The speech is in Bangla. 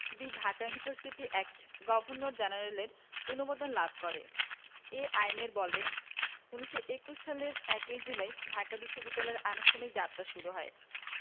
দি ঢাকা ইউনিভার্সিটি অ্যাক্ট গভর্নর জেনারেলের অনুমোদন লাভ করে এ আইনের বলে ১৯২১ সালের ১ জুলাই ঢাকা বিশ্ববিদ্যালয়ের আনুষ্ঠানিক যাত্রা শুরু হয়